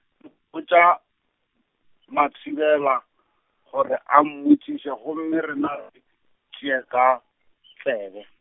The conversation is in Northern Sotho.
botša, Mathibela, gore a mmotšiše gomme rena , tšee ka , tsebe.